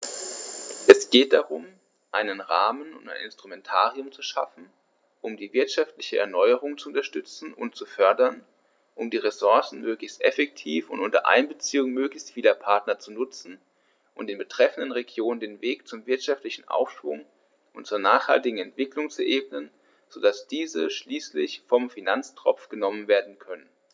Es geht darum, einen Rahmen und ein Instrumentarium zu schaffen, um die wirtschaftliche Erneuerung zu unterstützen und zu fördern, um die Ressourcen möglichst effektiv und unter Einbeziehung möglichst vieler Partner zu nutzen und den betreffenden Regionen den Weg zum wirtschaftlichen Aufschwung und zur nachhaltigen Entwicklung zu ebnen, so dass diese schließlich vom Finanztropf genommen werden können.